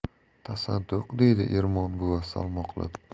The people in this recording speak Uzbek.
tasadduq deydi ermon buva salmoqlab